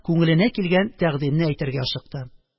Күңеленә килгән тәкъдимне әйтергә ашыкты